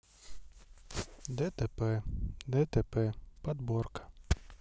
дтп дтп подборка